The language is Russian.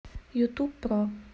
ютуб про